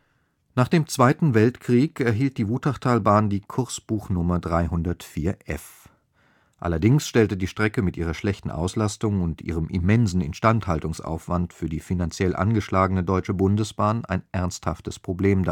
Nach dem Zweiten Weltkrieg erhielt die Wutachtalbahn die Kursbuchnummer 304f. Allerdings stellte die Strecke mit ihrer schlechten Auslastung und ihrem immensen Instandhaltungsaufwand für die finanziell angeschlagene Deutsche Bundesbahn ein ernsthaftes Problem